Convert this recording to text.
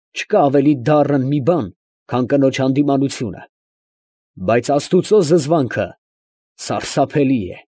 Չկա մի ավելի դառն բան, քան կնոջ հանդիմանությունը. բայց աստուծո զզվանքը սարսափելի՜ է։